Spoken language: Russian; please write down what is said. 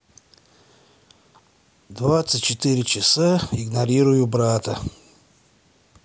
двадцать четыре часа игнорирую брата